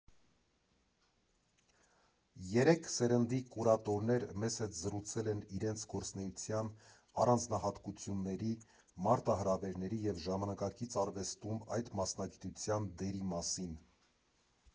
Երեք սերնդի կուրատորներ մեզ հետ զրուցել են իրենց գործունեության առանձնահատկությունների, մարտահրավերների և Ժամանակակից արվեստում այդ մասնագիտության դերի մասին։